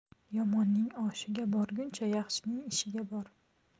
yomonning oshiga borguncha yaxshining ishiga bor